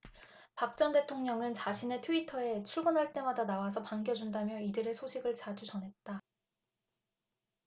박 전 대통령은 자신의 트위터에 출퇴근할 때마다 나와서 반겨준다며 이들의 소식을 자주 전했다